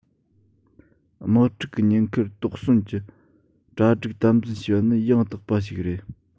དམག འཁྲུག གི ཉེན ཁར དོགས ཟོན གྱི གྲ སྒྲིག དམ འཛིན བྱས པ ནི ཡང དག པ ཞིག རེད